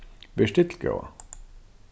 ver still góða